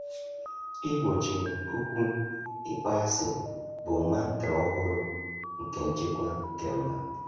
Igbochi okwu ịkpọasị bụ mantra ọhụrụ nke nchekwa kemba